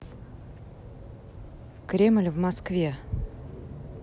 кремль в москве